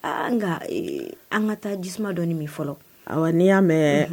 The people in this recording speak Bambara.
An ka taa jiuman dɔ min fɔlɔ ɔ n'i y'a mɛn